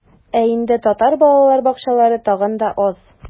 Ә инде татар балалар бакчалары тагын да аз.